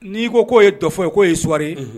N'i koo ye tɔfɔ ye k'o ye suware ye